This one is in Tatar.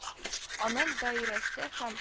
Анын даирәсе һәм